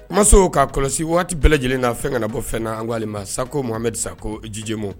Maso k'a kɔlɔsi waati bɛɛ lajɛlen na fɛn ka na bɔ fɛ na an'ale sako mahame sa ko jijimu